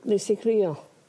Nes di crio?